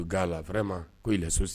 U ga la vraiment ko il est soci